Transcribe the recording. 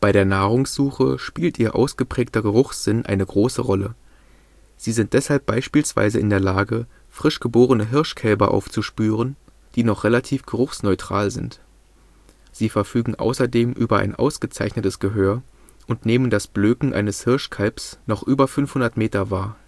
der Nahrungssuche spielt ihr ausgeprägter Geruchssinn eine große Rolle. Sie sind deshalb beispielsweise in der Lage, frisch geborene Hirschkälber aufzuspüren, die noch relativ geruchsneutral sind. Sie verfügen außerdem über ein ausgezeichnetes Gehör und nehmen das Blöken eines Hirschkalbes noch über 500 Meter wahr